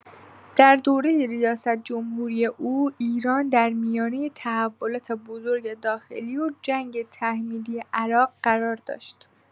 در دوره ریاست‌جمهوری او، ایران در میانه تحولات بزرگ داخلی و جنگ تحمیلی عراق قرار داشت.